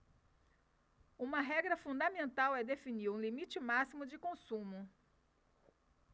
uma regra fundamental é definir um limite máximo de consumo